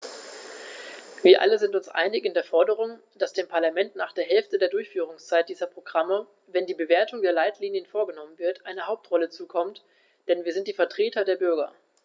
Wir alle sind uns einig in der Forderung, dass dem Parlament nach der Hälfte der Durchführungszeit dieser Programme, wenn die Bewertung der Leitlinien vorgenommen wird, eine Hauptrolle zukommt, denn wir sind die Vertreter der Bürger.